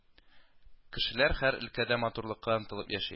Кешеләр һәр өлкәдә матурлыкка омтылып яши